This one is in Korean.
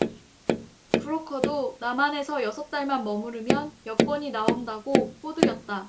브로커도 남한에서 여섯달만 머무르면 여권이 나온다고 꼬드겼다